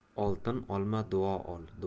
oltin olma duo